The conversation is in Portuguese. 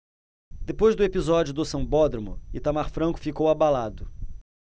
depois do episódio do sambódromo itamar franco ficou abalado